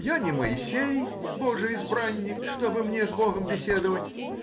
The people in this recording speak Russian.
я не Моисей, божий избранник, чтобы мне с богом беседовать